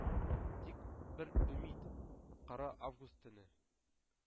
Тик бер өмит: кара август төне